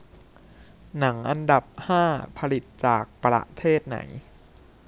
หนังอันดับห้าผลิตจากประเทศไหน